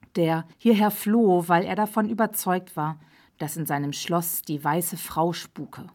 der hierher floh, weil er davon überzeugt war, dass in seinem Schloss die Weiße Frau spuke